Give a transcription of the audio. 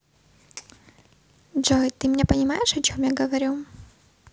джой ты меня понимаешь о чем я говорю